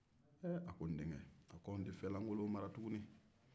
a ko n denkɛ an tɛ fɛn lankolo n mara tuguni